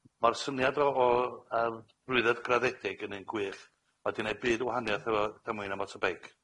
Ma'r syniad o o yym drwydded graddedig yn un gwych. Ma' 'di neud byd o wahanieth hefo damweinia motobeic.